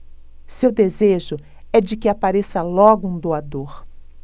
seu desejo é de que apareça logo um doador